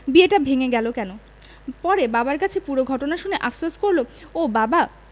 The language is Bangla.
বিয়েটা ভেঙে গেল কেন পরে বাবার কাছে পুরো ঘটনা শুনে আফসোস করে বললও বাবা